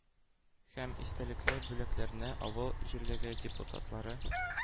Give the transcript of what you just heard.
Һәм истәлекле бүләкләрне авыл җирлеге депутатлары